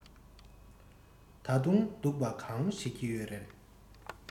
ད དུང སྡུག པ གང བྱེད ཀྱི ཡོད རས